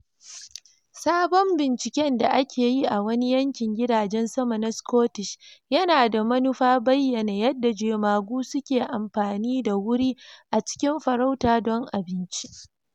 Sabon binciken da ake yi a wani yankin gidajen Sama na Scottish yana da manufa bayyana yadda jemagu suke amfani da wuri a cikin farauta don abinci.